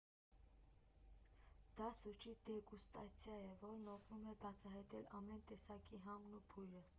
Դա սուրճի դեգուստացիան է, որն օգնում է բացահայտել ամեն տեսակի համն ու բույրը։